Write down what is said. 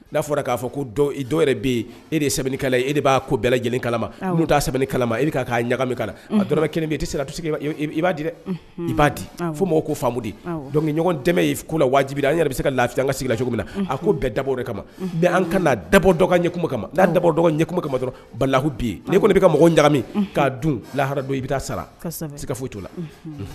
N'a fɔra k'a fɔ ko bɛ e de ye sɛbɛn kala e de b'a ko bɛɛ lajɛlen kalama n'u' sɛbɛn kalama'a ɲagami kala a dɔn kelen i tɛ se i b'a di dɛ i b'a di fo ma ko faamudi dɔnkiliɲɔgɔn dɛmɛ y'i kun wajibi an yɛrɛ bɛ se ka lafi an ka sigila cogo min na a ko bɛɛ dabɔ de kama mɛ an ka dabɔ ɲɛ kama' dabɔ ɲɛkuma kama dɔrɔn balalaku bi yen n'i kɔni' ka mɔgɔ ɲagami'a dun lahara don i bɛ taa sara se ka foyi' la